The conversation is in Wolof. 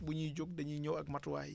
bu ñuy jug da ñuy ñëw ak matuwaay yi